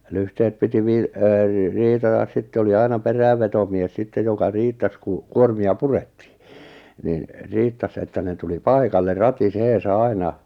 lyhteet piti -- riitata sitten oli aina perävetomies sitten joka riittasi kun kuormia purettiin niin riittasi että ne tuli paikalle ratiseensa aina